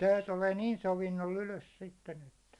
se tulee niin sovinnolla ylös sitten että